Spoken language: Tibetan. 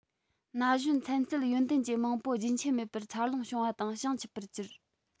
ན གཞོན ཚན རྩལ ཡོན ཏན ཅན མང པོ རྒྱུན ཆད མེད པར འཚར ལོངས བྱུང བ དང བྱང ཆུབ པར གྱུར